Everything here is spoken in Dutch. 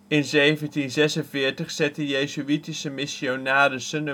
In 1746 zetten jezuïtische missionarissen